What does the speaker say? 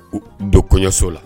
Don kɔɲɔso la